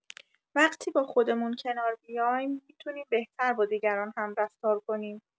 وقتی با خودمون کنار بیایم، می‌تونیم بهتر با دیگران هم رفتار کنیم.